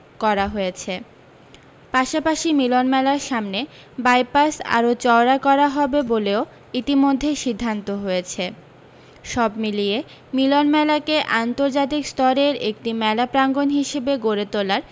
করা হয়েছে পাশাপাশি মিলনমেলার সামনে বাইপাস আরও চওড়া করা হবে বলেও ইতিমধ্যেই সিদ্ধান্ত হয়েছে সব মিলিয়ে মিলন মেলাকে আন্তর্জাতিক স্তরের একটি মেলা প্রাঙ্গন হিসাবে গড়ে তোলার